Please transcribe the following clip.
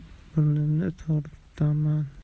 paydarpay burnimni tortaman